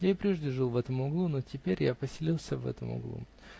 Я и прежде жил в этом углу, но теперь я поселился в этом углу.